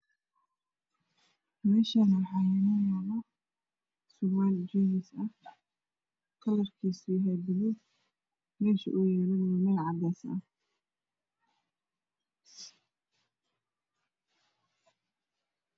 Meeshaan waxaa noo yaalo sarwal geenisa ah.kalarkiisu yahay. baluug meesha uu.yaalana waa cadees